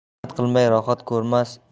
mehnat qilmay rohat ko'rmas